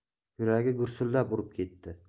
yuragi gursillab urib ketdi